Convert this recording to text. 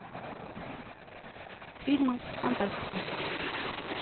фильмы фантастика